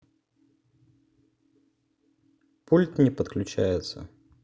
пульт не подключается